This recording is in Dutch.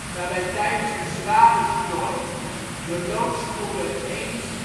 waarbij tijdens een zware storm de loodsschoener Eems